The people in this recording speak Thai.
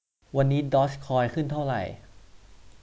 วันนี้ดอร์จคอยขึ้นเท่าไหร่